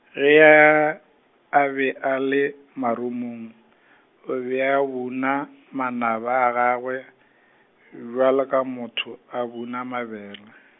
ge ya, a be a le marumong, o be a buna manaba a gagwe, bjalo ka motho a buna mabele.